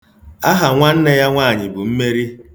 Aha nwanne ya nwaanyị bụ Mmeri.